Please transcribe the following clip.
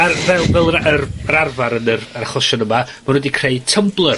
arddel fel yr yr rr arfar yn yr yr achosion yma, ma' nw 'di creu Tumbler